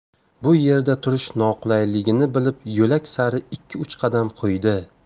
bu yerda turish noqulayligini bilib yo'lak sari ikki uch qadam qo'ydi